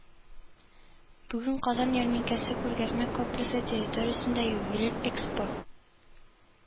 Бүген Казан ярминкәсе күргәзмә комплексы территориясендә Ювелир Экспо